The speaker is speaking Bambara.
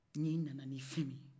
n'i nana ni fɛn ye